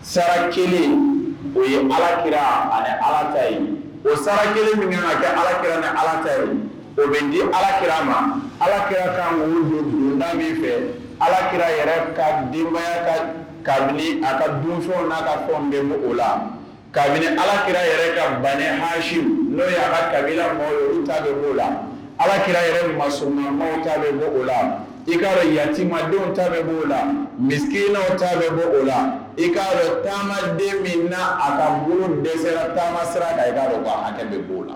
Sara kelen o ye alaki ale ala ta ye o san kelen min kɛ alaki ni ala ta ye o bɛ di alaki ma alaki ka wu don bulonda min fɛ alaki yɛrɛ ka denbayaya ka kabini a ka donso n'a ka fɔ n bɛ bɔ o la kabini alaki yɛrɛ ka ban masi n'o y'a kabilabila maaw ta b'o la ala kira yɛrɛ ma somaw ta bɛ bɔ o la i kaa yatimadenw ta bɛ b'o la misiina ta bɛ bɔ o la i kaa taamaden min na a ka n bolo dɛsɛ sera taama siran ka i ba hakɛ bɛ b'o la